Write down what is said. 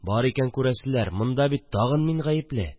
Бар икән күрәселәр, монда бит тагын мин гаепле